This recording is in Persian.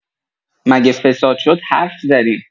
مگه فساد شد حرف زدیم؟